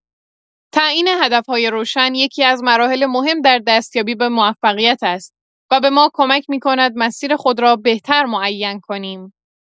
تعیین هدف‌های روشن یکی‌از مراحل مهم در دستیابی به موفقیت است و به ما کمک می‌کند مسیر خود را بهتر معین کنیم.